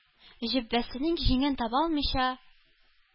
Җөббәсенең җиңен таба алмыйча,